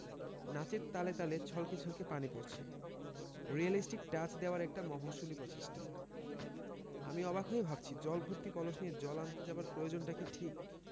নাচের তালে তালে ছলকে ছলকে পানি পড়ছে রিয়েলিস্টিক টাচ্ দেবার একটা মফস্বলী প্রচেষ্টা আমি অবাক হয়ে ভাবছি জল ভর্তি কলস নিয়ে জল আনতে যাবার প্রইয়োজনটি কি ঠিক